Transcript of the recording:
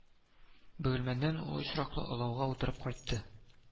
Бөгелмәдән ул очраклы олауга утырып кайтты